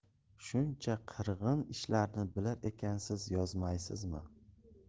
shuncha qirg'in ishlarni bilar ekansiz yozmaysizmi